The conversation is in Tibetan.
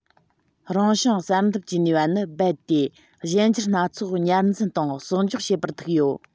རང བྱུང བསལ འདེམས ཀྱི ནུས པ ནི རྦད དེ གཞན འགྱུར སྣ ཚོགས ཉར འཛིན དང གསོག འཇོག བྱེད པར ཐུག ཡོད